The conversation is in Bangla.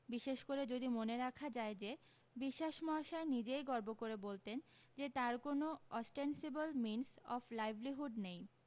বিশেষ করে যদি মনে রাখা যায় যে বিশ্বাসমশাই নিজেই গর্ব করে বলতেন যে তার কোনো অসটেনসিবল মিনস অফ লাইভলিহুড নেই